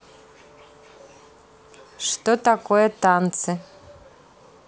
что такое танцы